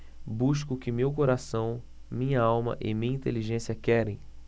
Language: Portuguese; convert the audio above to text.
busco o que meu coração minha alma e minha inteligência querem